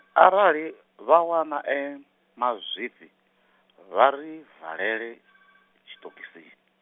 arali vha wana e, mazwifhi, vha ri valele, tshiṱokisini.